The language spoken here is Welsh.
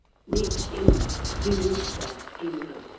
Nid ryw rywogaeth eilradd.